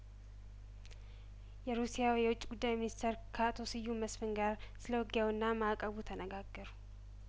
የሩሲያው የውጪ ጉዳይ ሚኒስተር ከአቶ ስዩም መስፍን ጋር ስለውጊያውና ማእቀቡ ተነጋገሩ